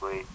oui